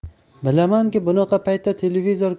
bilamanki bunaqa paytda